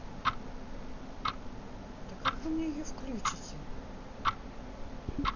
да как вы мне ее включите